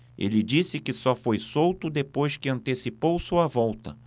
ele disse que só foi solto depois que antecipou sua volta